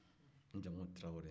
n jamu tarawele